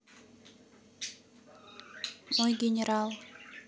мой генерал